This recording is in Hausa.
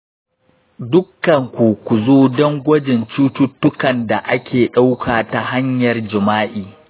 dukanku ku zo don gwajin cututtukan da ake ɗauka ta hanyar jima'i